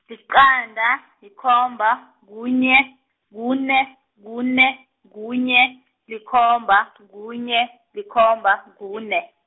liqanda, yikomba, kunye, kune, kune, kunye, likhomba, kunye, likhomba, kune.